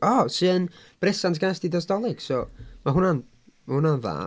O, sy yn bresant gest ti dros Dolig, so ma' hwnna'n ma' hwnna'n dda.